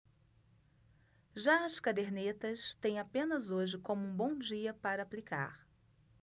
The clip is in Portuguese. já as cadernetas têm apenas hoje como um bom dia para aplicar